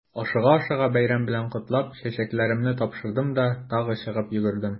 Ашыга-ашыга бәйрәм белән котлап, чәчәкләремне тапшырдым да тагы чыгып йөгердем.